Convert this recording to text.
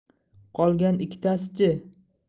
qolgan ikkitasichi